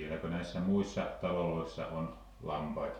vieläkö näissä muissa taloissa on lampaita